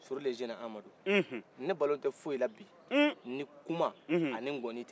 sory lezina amanu ne balolen tɛ foyi labi ni kuma ani ŋɔni tɛ